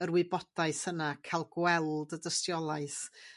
yr wybodaeth yna ca'l gweld y dystiolaeth.